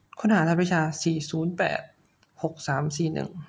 ค้นหารหัสวิชาสี่ศูนย์แปดหกสามสี่หนึ่ง